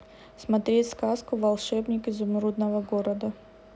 смотреть сказку волшебник изумрудного города